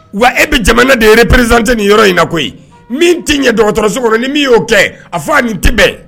Wa e bɛ jamana ne de ye preztee ni yɔrɔ in na koyi min t'i ɲɛ dɔgɔtɔrɔsoko ni min y'o kɛ a fɔ a nin tɛ bɛn